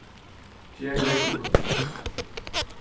ger reglubrot